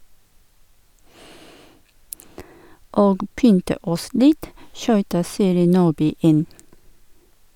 - Og pynte oss litt, skyter Siri Nordby inn.